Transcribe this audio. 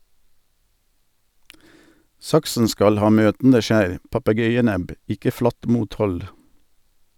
Saksen skal ha møtende skjær - papegøye-nebb - ikke flatt mothold.